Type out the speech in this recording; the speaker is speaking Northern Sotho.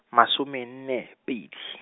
masome nne, pedi.